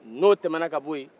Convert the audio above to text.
n'o tɛmɛna ka bɔ yen